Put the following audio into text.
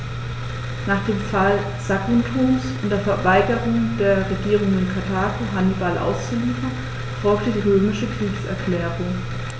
Nach dem Fall Saguntums und der Weigerung der Regierung in Karthago, Hannibal auszuliefern, folgte die römische Kriegserklärung.